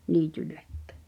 niitylläkin